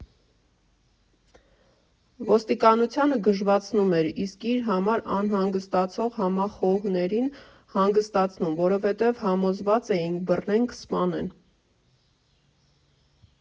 Ոստիկանությանը գժվացնում էր, իսկ իր համար անհանգիստ համախոհներին հանգստացնում, որովհետև համոզված էինք՝ բռնեն՝ կսպանեն։